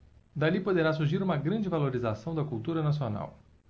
dali poderá surgir uma grande valorização da cultura nacional